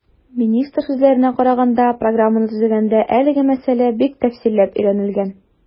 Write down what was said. Министр сүзләренә караганда, программаны төзегәндә әлеге мәсьәлә бик тәфсилләп өйрәнелгән.